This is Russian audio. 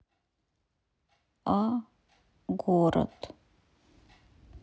а город